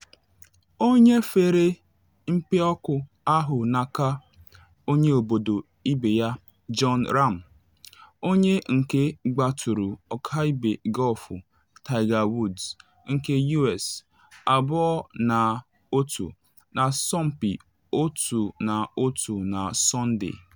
Ọ nyefere mpịọkụ ahụ n’aka onye obodo ibe ya John Ram onye nke gbaturu ọkaibe gọlfụ Tiger Woods nke US 2na1 n’asọmpi otu na otu na Sọnde.